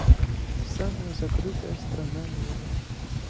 самая закрытая страна мира